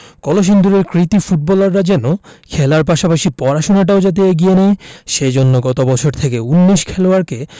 কলসিন্দুরের কৃতী ফুটবলাররা যেন খেলার পাশাপাশি পড়াশোনাটাও যাতে এগিয়ে নেয় সে জন্য গত বছর থেকে ১৯ খেলোয়াড়কে